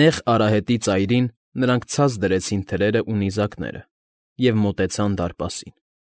Նեղ արահետի ծայրին նրանք ցածր դրեցին թրերն ու նիզակները և մոտեցան դարպասին։